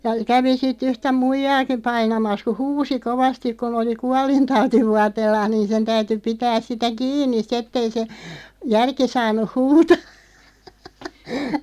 ja kävi sitten yhtä muijaakin painamassa kun huusi kovasti kun oli kuolintautivuoteellaan niin sen täytyi pitää sitä kiinni sitten että ei se järki saanut huutaa